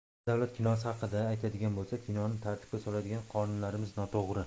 agar davlat kinosi haqida aytadigan bo'lsa kinoni tartibga soladigan qonunlarimiz noto'g'ri